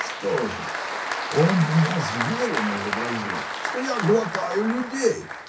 — Что же, он меня зверем изобразил: что я глотаю людей?.